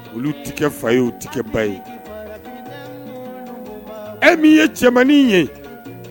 Olu tɛ kɛ fa ye u tɛ kɛ ba ye e min ye cɛmannin ye